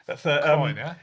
Fatha yym... Croen ia?